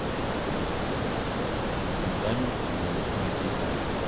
фундамент монолитная плита